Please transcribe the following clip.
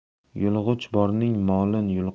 yulg'ich borning molin